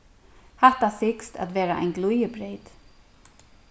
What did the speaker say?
hatta sigst at vera ein glíðibreyt